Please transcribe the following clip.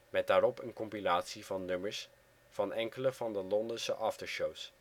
met daarop een compilatie van nummers van enkele van de Londense aftershows